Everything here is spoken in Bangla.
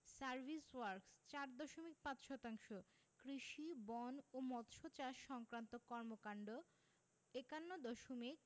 সার্ভিস ওয়ার্ক্স ৪ দশমিক ৫ শতাংশ কৃষি বন ও মৎসচাষ সংক্রান্ত কর্মকান্ড ৫১ দশমিক